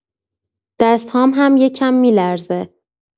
دست‌هام هم یکم می‌لرزه.